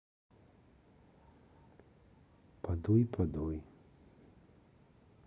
подуй подуй